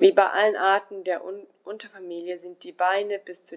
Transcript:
Wie bei allen Arten der Unterfamilie sind die Beine bis zu